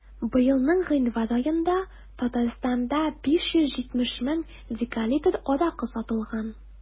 Быелның гыйнвар аенда Татарстанда 570 мең декалитр аракы сатылган.